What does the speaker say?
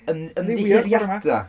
Ym- ymddiheuriadau.